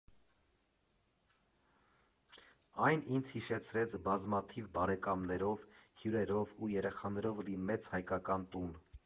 Այն ինձ հիշեցրեց բազմաթիվ բարեկամներով, հյուրերով ու երեխաներով լի մեծ հայկական տուն։